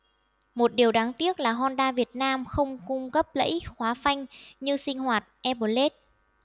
một điều đáng tiếc là honda việt nam không cung cấp lẫy khóa phanh như sinh hoạt air blade